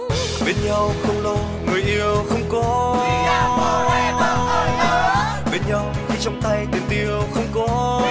bên nhau không lo người yêu không có bên nhau khi trong tay tiền tiêu không có